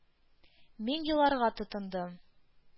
Мин еларга тотындым.